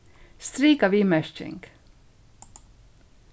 strika viðmerking